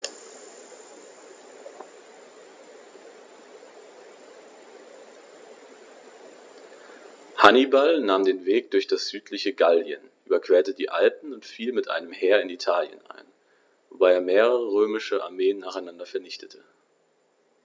Hannibal nahm den Landweg durch das südliche Gallien, überquerte die Alpen und fiel mit einem Heer in Italien ein, wobei er mehrere römische Armeen nacheinander vernichtete.